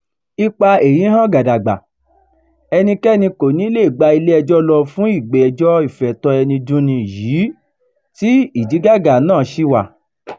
Ipa èyí hàn gbàgàdà — ẹnikẹ́ni kò ní leè gba ilé ẹjọ́ lọ fún ìgbèjà ìfẹ̀tọ́ ẹni dunni yìí tí ìdígàgá náà ṣì wà.